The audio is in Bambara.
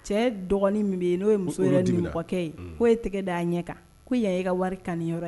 Cɛ dɔgɔnin min bɛ yen n'o ye muso yɛrɛ nimɔgɔkɛ ye k'o ye tɛgɛ d'a ɲɛkan ko yan y'e ka wari kaniyɔrɔ ye